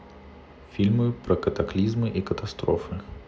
фильмы про катаклизмы и катастрофы